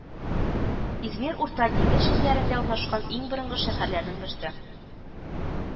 Измир Урта диңгез җирләрендә урнашкан иң борынгы шәһәрләрнең берсе